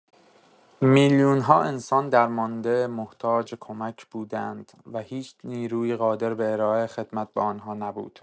میلیون‌ها انسان درمانده محتاج کمک بودند و هیچ نیرویی قادر به ارائه خدمت به آن‌ها نبود.